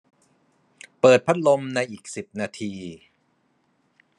เปิดพัดลมในอีกสิบนาที